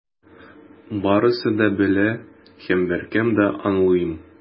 Барысы да белә - һәм беркем дә аңламый.